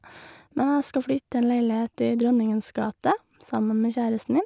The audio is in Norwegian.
Men jeg skal flytte til en leilighet i Dronningens gate sammen med kjæresten min.